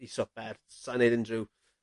I swper. Sai'n neud unryw